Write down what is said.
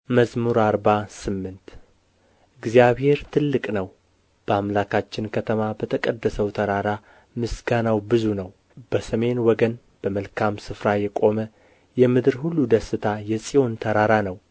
መዝሙር አርባ ስምንት እግዚአብሔር ትልቅ ነው በአምላካችን ከተማ በተቀደሰ ተራራ ምስጋናው ብዙ ነው በሰሜን ወገን በመልካም ስፍራ የቆመ የምድር ሁሉ ደስታ የጽዮን ተራራ ነው